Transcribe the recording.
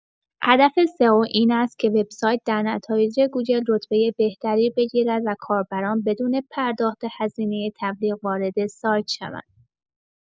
هدف سئو این است که وب‌سایت در نتایج گوگل رتبه بهتری بگیرد و کاربران بدون پرداخت هزینه تبلیغ، وارد سایت شوند.